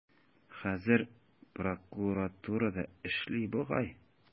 Хәзер прокуратурада эшли бугай.